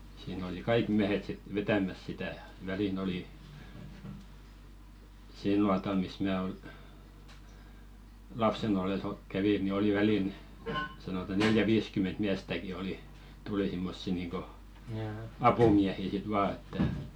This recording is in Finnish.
siinä oli kaikki miehet sitten vetämässä sitä väliin oli sillä nuotalla missä minä - lapsena ollessa - kävin niin oli väliin sanotaan neljä viisikymmentä miestäkin oli tuli semmoisia niin kuin apumiehiä sitten vain että